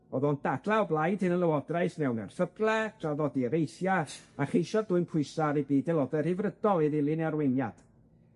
O'dd o'n dadla o blaid hunanlywodraeth mewn erthygle, traddodi areithia', a cheisio dwyn pwysa' ar ei gyd aelode Rhyddfrydol i ddilyn ei arweiniad.